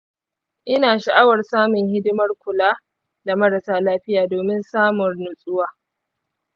ina sha’awar samun hidimar kula da marasa lafiya domin samun nutsuwa